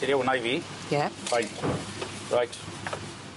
Dere wnna i fi. Ie. Fine. Reit.